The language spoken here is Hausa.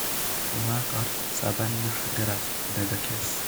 1. "Waƙar Saɓannah Grass" daga Kes